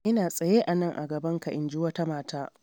“Ina tsaye a nan a gabanka,” inji wata mata.